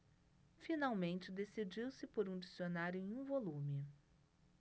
finalmente decidiu-se por um dicionário em um volume